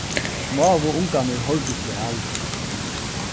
smáu ungarnir hoyrdust væl